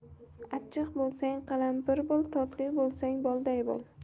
achchiq bo'lsang qalampir bo'l totli bo'lsang bolday bo'l